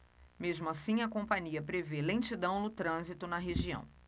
mesmo assim a companhia prevê lentidão no trânsito na região